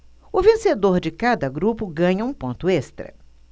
o vencedor de cada grupo ganha um ponto extra